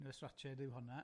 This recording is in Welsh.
Nurse Ratched yw honna.